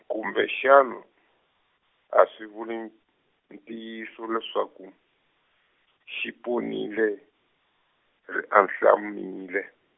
kumbexani a xi vuli ntiyiso leswaku xi ponile ri ahlamile.